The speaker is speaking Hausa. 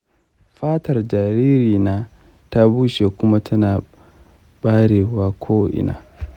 fatar jaririna ta bushe kuma tana barewa ko’ina.